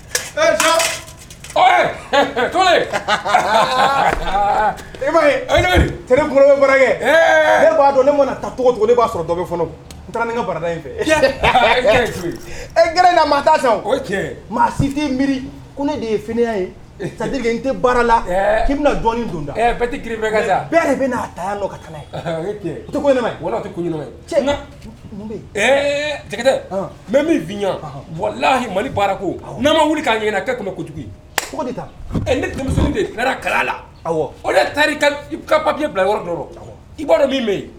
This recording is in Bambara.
Torakɛ b'a dɔn ne mana taa tɔgɔ ne b'a sɔrɔ dɔ fɔlɔ n ne ka baarada in fɛ maa maa si miiri ko ne de ye fini ye tɛ baara la k'i bɛna dɔɔnin dun da bɛɛ tɛ g bɛɛ yɛrɛ bɛ'a ta ka taa wala tɛ ko cɛ mɛ min f wa lahi mali baara ko n'a ma wuli k'a ɲininkakɛ kɛmɛ bɛ kojugu ko taa ne de kala la o taa ka papi bila yɔrɔ dɔrɔn i bɔra dɔn min bɛ yen